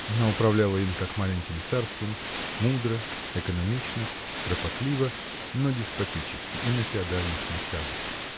Она управляла им, как маленьким царством, мудро, экономично, кропотливо, но деспотически и на феодальных началах.